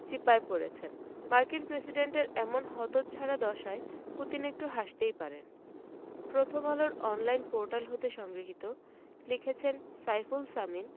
চিপায় পড়েছেন মার্কিন প্রেসিডেন্টের এমন হতচ্ছাড়া দশায় পুতিন একটু হাসতেই পারেন প্রথম আলোর অনলাইন পোর্টাল হতে সংগৃহীত লিখেছেন সাইফুল সামিন